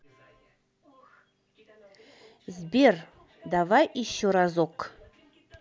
сбер давай еще разок